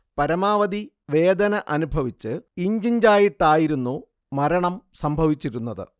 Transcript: പരമാവധി വേദന അനുഭവിച്ച് ഇഞ്ചിഞ്ചായിട്ടായിരുന്നു മരണം സംഭവിച്ചിരുന്നത്